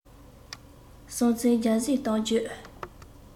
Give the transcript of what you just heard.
སྲོང བཙན རྒྱ བཟའི གཏམ རྒྱུད